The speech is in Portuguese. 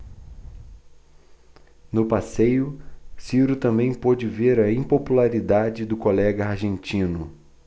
no passeio ciro também pôde ver a impopularidade do colega argentino